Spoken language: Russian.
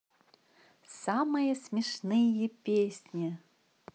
самые смешные песни